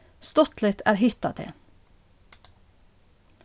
stuttligt at hitta teg